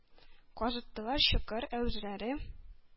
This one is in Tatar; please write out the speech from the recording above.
Казыттылар чокыр, ә үзләре